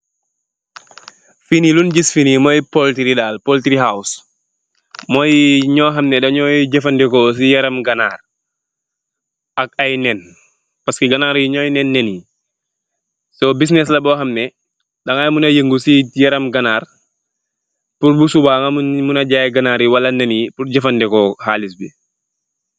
Feene lun giss fee nee moye poultry dal poultry house moye nu hamne danu jefaneku se yarum ganarr ak aye neen paske ganarr ye nuye neen neen yee so business la bu hamne dagay muna yegu se yaram ganarr purr bu suba ga muna jaye ganarr yee wala neen yee purr jefaneku halis be.